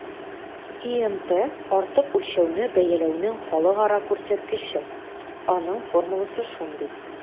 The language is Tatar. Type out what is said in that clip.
ИМТ - артык үлчәүне бәяләүнең халыкара күрсәткече, аның формуласы шундый: